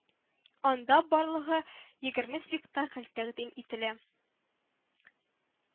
Анда барлыгы егерме спектакль тәкъдим ителә